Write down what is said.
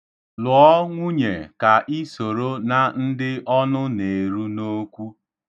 Lụọ nwunye ka i soro na ndị ọnụ na-eru n'okwu.